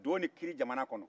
duwawu ni kiri jamana kɔnɔ